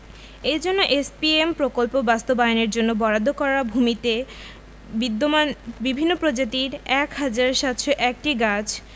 এজন্য এসপিএম প্রকল্প বাস্তবায়নের জন্য বরাদ্দ করা বনভূমিতে বিদ্যমান বিভিন্ন প্রজাতির ১ হাজার ৭০১টি গাছ